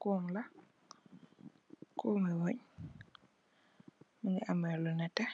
Comb la comi weng mogi ame lu netex